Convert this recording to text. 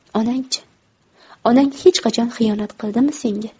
onang chi onang hech qachon xiyonat qildimi senga